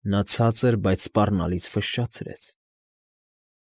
Նա ցածր, բայց սպառնալից ֆշշացրեց։